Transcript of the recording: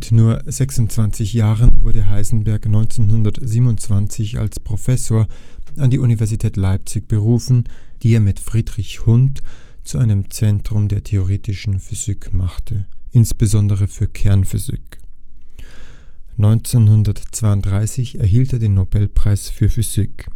nur 26 Jahren wurde Heisenberg 1927 als Professor an die Universität Leipzig berufen, die er mit Friedrich Hund zu einem Zentrum der theoretischen Physik machte, insbesondere für Kernphysik; 1932 erhielt er den Nobelpreis für Physik